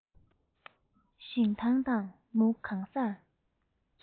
ཞིང ཐང དང མུ གང སར